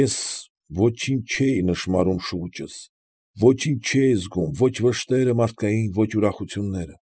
Ես ոչինչ չէի նշմարում շուրջս, ոչինչ չէի զգում, ո՛չ վշտերը մարդկային, ո՛չ ուրախությունները։